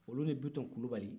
olu ni bitɔn kulibali